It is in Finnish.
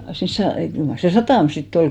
siinä - kyllä mar se satama sitten oli